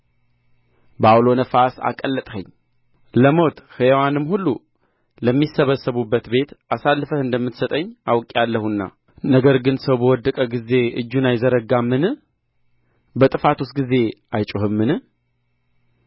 በዐውሎ ነፋስ አቀለጥኸኝ ለሞት ሕያዋንም ሁሉ ለሚሰበሰቡበት ቤት አሳልፈህ እንደምትሰጠኝ አውቄአለሁና ነገር ግን ሰው በወደቀ ጊዜ እጁን አይዘረጋምን በጥፋቱስ ጊዜ አይጮኽምን